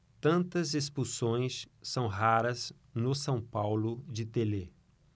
tantas expulsões são raras no são paulo de telê